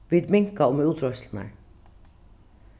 vit minka um útreiðslurnar